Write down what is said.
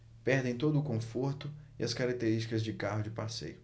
perdem todo o conforto e as características de carro de passeio